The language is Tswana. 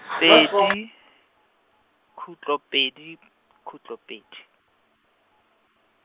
pedi, khutlo pedi, khutlo pedi.